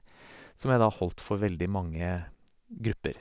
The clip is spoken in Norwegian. Som jeg da holdt for veldig mange grupper.